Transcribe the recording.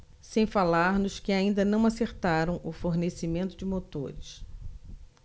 sem falar nos que ainda não acertaram o fornecimento de motores